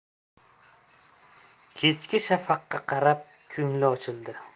kechki shafaqqa qarab ko'ngli ochildi